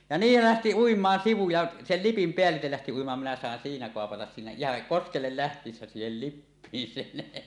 ja niin lähti uimaan sivu ja sen lipin päälle lähti uimaan minä sain siinä kopata siinä ihan koskelle lähtiessä siihen lippiin sen